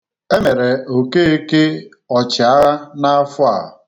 E mere Okeke ọchịagha n'afọ a.